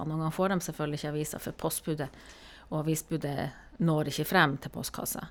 Og noen ganger så får dem selvfølgelig ikke avisa for postbudet og avisbudet når ikke frem til postkassa.